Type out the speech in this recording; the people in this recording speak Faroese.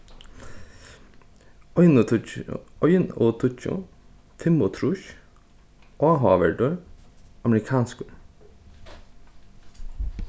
ein og tíggju fimmogtrýss áhugaverdur amerikanskur